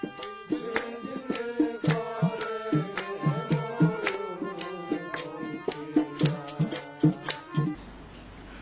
ঝিলমিল ঝিলমিল করে রে ময়ূরপঙ্খী নায়